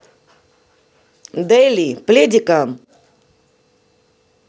dali пледиком